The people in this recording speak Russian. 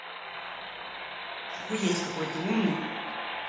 охуеть какой ты умный